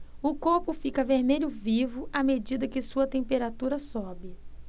o corpo fica vermelho vivo à medida que sua temperatura sobe